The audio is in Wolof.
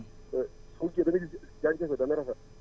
* da ngay gis gàncax gi dana rafet